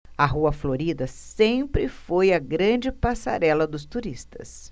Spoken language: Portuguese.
a rua florida sempre foi a grande passarela dos turistas